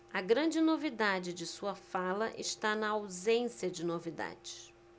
a grande novidade de sua fala está na ausência de novidades